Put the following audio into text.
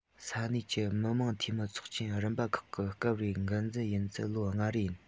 ས གནས ཀྱི མི དམངས འཐུས མིའི ཚོགས ཆེན རིམ པ ཁག གི སྐབས རེའི འགན འཛིན ཡུན ཚད ལོ ལྔ རེ ཡིན